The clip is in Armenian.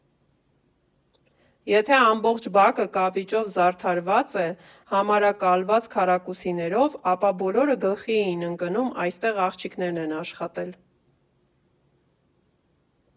Եթե ամբողջ բակը կավիճով «զարդարված է» համարակալված քառակուսիներով, ապա բոլորը գլխի էին ընկնում՝ այստեղ աղջիկներն են աշխատել։